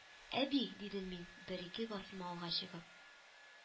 — әби! — дидем мин, бер-ике басма алга чыгып